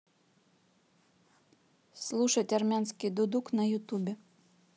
слушать армянский дудук на ютубе